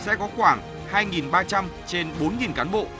sẽ có khoảng hai nghìn ba trăm trên bốn nghìn cán bộ